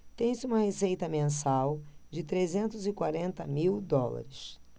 tem-se uma receita mensal de trezentos e quarenta mil dólares